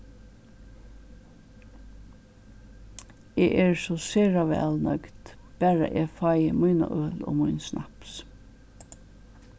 eg eri so sera væl nøgd bara eg fái mína øl og mín snaps